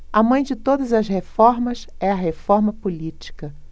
a mãe de todas as reformas é a reforma política